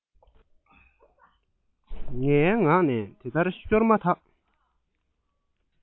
ངའི ངག ནས དེ ལྟར ཤོར མ ཐག